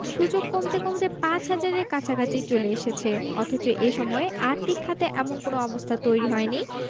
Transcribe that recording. সূচক কমতে কমতে ৫ হাজারের কাছাকাছি চলে এসেছে অথচ এ সময়ে আর্থিক খাতে এমন কোনো অবস্থা তৈরি হয়নি